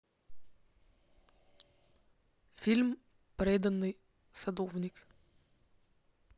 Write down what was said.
фильм преданный садовник